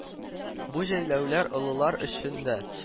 Бу җәйләүләр олылар өчен дә